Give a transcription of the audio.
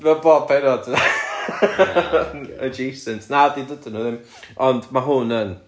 ma' pob pennod yn adjacent. Na dydy nhw ddim ond ma' hwn yn.